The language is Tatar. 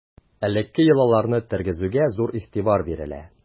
Элекке йолаларны тергезүгә зур игътибар бирелә.